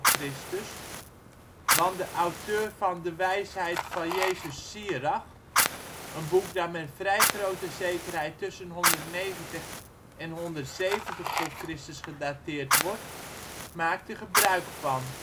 Christus, want de auteur van de Wijsheid van Jezus Sirach, een boek dat met vrij grote zekerheid tussen 190 en 170 voor Christus gedateerd wordt, maakt er gebruikt van